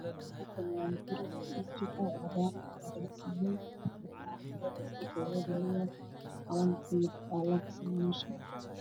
Halkaan waxaa ka muuqdo masaajid dabaq oo midabkiisu waa cadaan